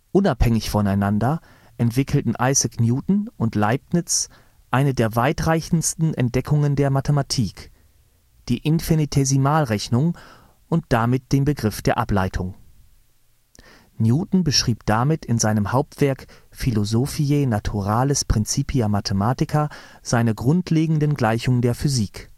Unabhängig voneinander entwickelten Isaac Newton und Leibniz eine der weitreichendsten Entdeckungen der Mathematik, die Infinitesimalrechnung und damit den Begriff der Ableitung. Newton beschrieb damit in seinem Hauptwerk Philosophiae Naturalis Principia Mathematica seine grundlegenden Gleichungen der Physik